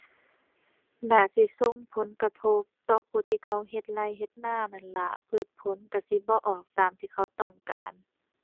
น่าสิส่งผลกระทบต่อผู้ที่เขาเฮ็ดไร่ เฮ็ดนานั่นล่ะ พืชผลก็สิบ่ออกตามที่เขาต้องการ